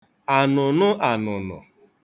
ànụ̀nụànụ̀nụ̀